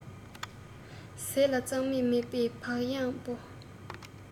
ཟས ལ གཙང སྨེ མེད པའི བག ཡངས པོ